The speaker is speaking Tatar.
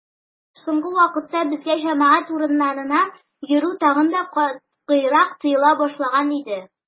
Моннан тыш, соңгы вакытта безгә җәмәгать урыннарына йөрү тагын да катгыйрак тыела башлаган иде.